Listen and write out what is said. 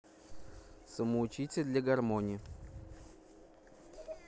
самоучитель для гармони